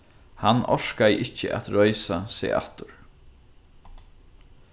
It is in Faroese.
hann orkaði ikki at reisa seg aftur